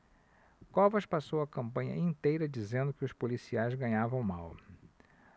covas passou a campanha inteira dizendo que os policiais ganhavam mal